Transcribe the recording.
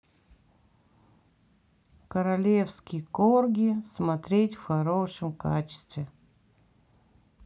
королевский корги смотреть в хорошем качестве